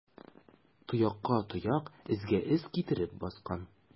Тоякка тояк, эзгә эз китереп баскан.